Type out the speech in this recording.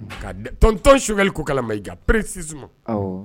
Katɔntɔn skali ko kalama ipereri si